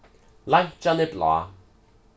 leinkjan er blá